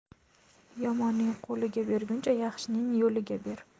yomonning qo'liga berguncha yaxshining yo'liga ber